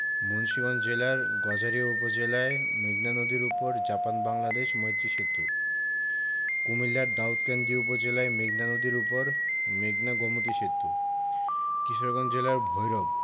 মুন্সিগঞ্জ জেলার গজারিয়া উপজেলায় মেঘনা নদীর উপর জাপান বাংলাদেশ মৈত্রী সেতু কুমিল্লার দাউদকান্দি উপজেলায় মেঘনা নদীর উপর মেঘনা গোমতী সেতু কিশোরগঞ্জ জেলার ভৈরব